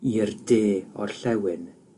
i'r de orllewin